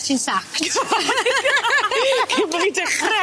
Wel Heledd ...ti'n sacked. . Cyn bo' ni'n dechre.